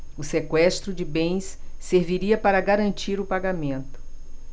o sequestro de bens serviria para garantir o pagamento